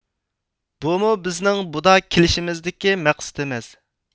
بۇمۇ بىزنىڭ بۇدا كېلىشىمىزدىكى مەقسىتىمىز